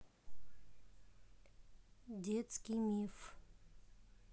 детский миф